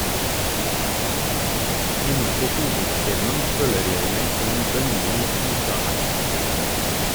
- Inne på Hovudscenen føler jeg meg som en døgnvill, drita ert.